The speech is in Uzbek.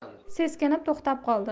seskanib to'xtab qoldi